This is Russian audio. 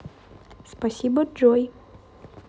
спасибо джой